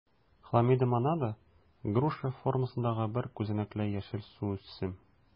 Хламидомонада - груша формасындагы бер күзәнәкле яшел суүсем.